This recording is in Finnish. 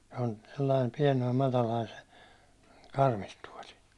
se on sellainen pienoinen matala se karmituoli